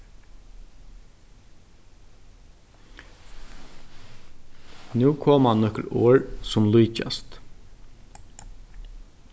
nú koma nøkur orð sum líkjast